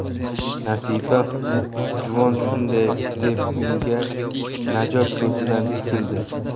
nasiba juvon shunday deb unga najot ko'zi bilan tikildi